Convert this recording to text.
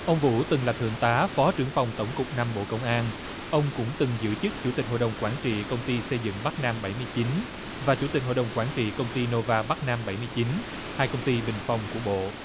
ông vũ từng là thượng tá phó trưởng phòng tổng cục nam bộ công an ông cũng từng giữ chức chủ tịch hội đồng quản trị công ty xây dựng bắc nam bảy mươi chín và chủ tịch hội đồng quản trị công ty nô va bắc nam bảy mươi chín hai công ty bình phong của bộ